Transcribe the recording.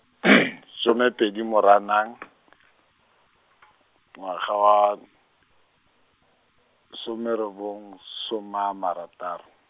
some pedi Moranang , ngwaga wa, some robong, soma marataro.